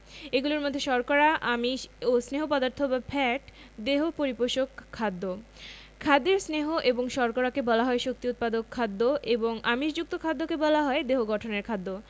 এগুলোর মধ্যে শর্করা আমিষ ও স্নেহ পদার্থ বা ফ্যাট দেহ পরিপোষক খাদ্য খাদ্যের স্নেহ এবং শর্করাকে বলা হয় শক্তি উৎপাদক খাদ্য এবং আমিষযুক্ত খাদ্যকে বলা হয় দেহ গঠনের খাদ্য